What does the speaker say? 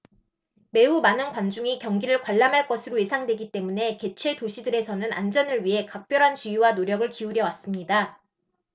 매우 많은 관중이 경기를 관람할 것으로 예상되기 때문에 개최 도시들에서는 안전을 위해 각별한 주의와 노력을 기울여 왔습니다